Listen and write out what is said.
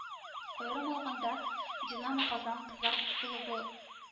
Аерым алганда, Динамо-Казан кызлар клубы